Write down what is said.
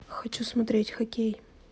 хочу смотреть хоккей